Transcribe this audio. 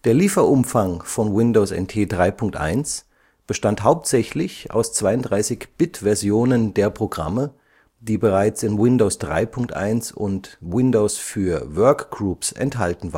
Lieferumfang von Windows NT 3.1 bestand hauptsächlich aus 32-Bit-Versionen der Programme, die bereits in Windows 3.1 und Windows für Workgroups enthalten